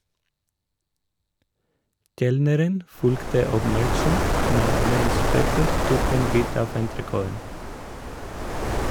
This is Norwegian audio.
Kelneren fulgte oppmerksomt med mens Pepper tok en bit av entrecôten.